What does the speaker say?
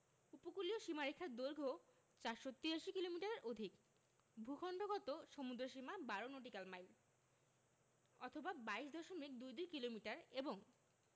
উপকূলীয় সীমারেখার দৈর্ঘ্য ৪৮৩ কিলোমিটারের অধিক ভূখন্ডগত সমুদ্রসীমা ১২ নটিক্যাল মাইল অথবা ২২ দশমিক দুই দুই কিলোমিটার এবং